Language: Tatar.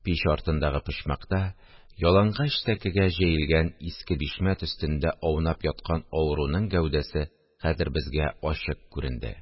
Пич артындагы почмакта, ялангач сәкегә җәелгән иске бишмәт өстендә аунап яткан авыруның гәүдәсе хәзер безгә ачык күренде